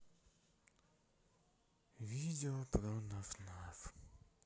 видео про наф наф